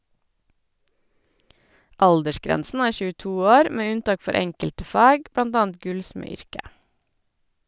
Aldersgrensen er 22 år, med unntak for enkelte fag, blant annet gullsmedyrket.